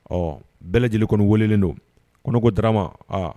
Ɔ bɛɛ lajɛlen kɔnni welelen do, ko ne ko Darama, aa.